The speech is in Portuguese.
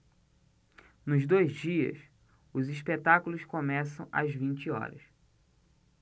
nos dois dias os espetáculos começam às vinte horas